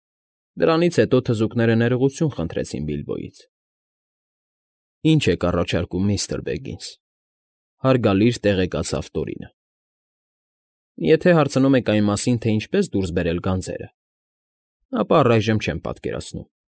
Դրանից հետո թզուկները ներողություն խնդրեցին Բիբլոյից։ ֊ Ի՞նչ եք առաջարկում, միստր Բեգինս,֊ հարգալից տեղեկացավ Տորինը։ ֊ Եթե հարցնում եք այն մասին, թե ինչպես դուրս բերել գանձերը, ապա առայժմ չեմ պատկերացնում։